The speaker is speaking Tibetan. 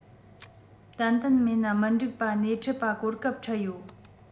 ཏན ཏན མེད ན མི འགྲིག པ སྣེ ཁྲིད པ གོ སྐབས འཕྲད ཡོད